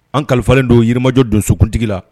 An kalifalen don yirimajɔ don sukuntigi la